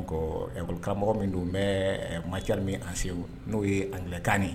Golokaramɔgɔ min don bɛ ma cari min a se n'o ye ankan